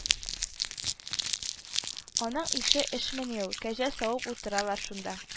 Аның ише эшмени ул, кәҗә савып утыралар шунда